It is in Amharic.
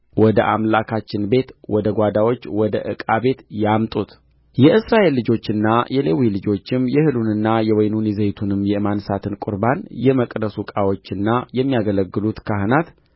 ወደ አምላካችን ቤት ወደ ጓዳዎች ወደ ዕቃ ቤት ያምጡት የእስራኤል ልጆችና የሌዊ ልጆችም የእህሉንና የወይኑን የዘይቱንም የማንሣት ቍርባንን የመቅደሱ ዕቃዎችና የሚያገለግሉት ካህናት